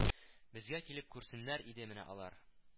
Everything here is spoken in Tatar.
Безгә килеп күрсеннәр иде менә алар